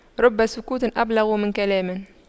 رب سكوت أبلغ من كلام